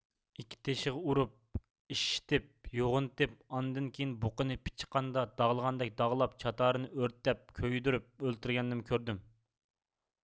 ئىككى تېشىغا ئۇرۇپ ئىششىتىپ يوغىنىتىپ ئاندىن كېيىن بۇقىنى پىچقاندا داغلىغاندەك داغلاپ چاتارىنى ئۆرتەپ كۆيدۈرۈپ ئۆلتۈرگەننىمۇ كۆردۈم